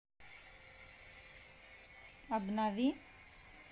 обнови